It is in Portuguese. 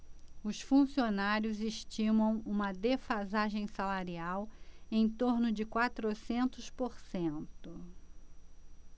os funcionários estimam uma defasagem salarial em torno de quatrocentos por cento